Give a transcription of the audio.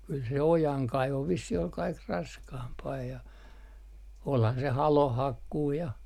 kyllä se ojankaivo vissiin oli kaikki raskaampaa ja olihan se halonhakkuu ja